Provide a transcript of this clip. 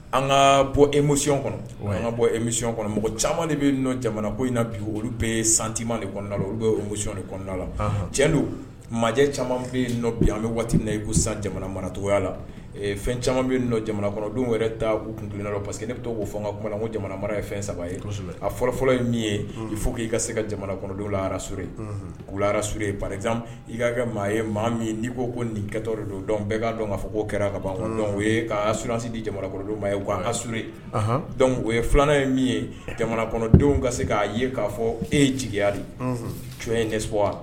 An ka bɔ emusiyɔn kɔnɔ an ka bɔ emuy kɔnɔ mɔgɔ caman de bɛ nɔ ko in bi olu bɛ santima nida la olu bɛ e musyɔn ni kɔnɔnada la cɛn don majɛ caman bɛ nɔ bi an bɛ waati na yen'u san jamana maracogoya la fɛn caman bɛ nɔ jamana kɔnɔdenw wɛrɛ ta u tun parce que ne bɛ taa k'o n kalanko jamana mara ye fɛn saba ye a fɔlɔ fɔlɔfɔlɔ ye min ye fo k'i ka se ka jamana kɔnɔndenw laraurye k'yararaurye bakarijan i k'a kɛ maa ye maa min ye n'i ko ko nin kɛtɔ don dɔn bɛɛ' dɔn k'a fɔ o kɛra ka ban dɔn o k' s di jamana ma ye ka surye o ye filanan ye min ye jamanadenw ka se k'a ye k'a fɔ e ye jigiya de tiɲɛ ye debɔ wa